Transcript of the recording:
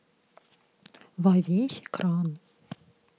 во весь экран